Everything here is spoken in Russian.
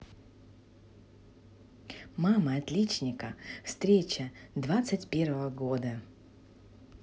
мама отличника встреча двадцать первого года